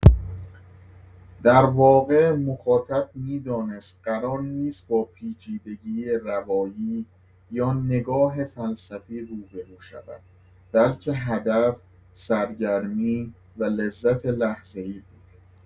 در واقع مخاطب می‌دانست قرار نیست با پیچیدگی روایی یا نگاه فلسفی روبه‌رو شود، بلکه هدف سرگرمی و لذت لحظه‌ای بود.